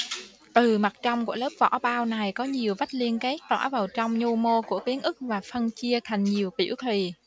từ mặt trong của lớp vỏ bao này có nhiều vách liên kết tỏa vào trong nhu mô của tuyến ức và phân chia thành nhiều tiểu thùy